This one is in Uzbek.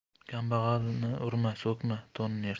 kambag'alni urma so'kma to'nini yirt